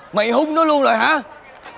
mày hun nó luôn rồi hả